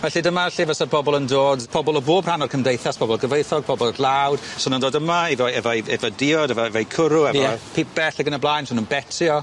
Felly dyma lle fysa pobol yn dod, pobol o bob rhan o'r cymdeithas, pobol gyfoethog, pobol dlawd swn nw'n dod yma efo efo'u efo diod efo efo'u cwrw efo... Ie. ...pibell ag yn y blaen swn nw'n betio.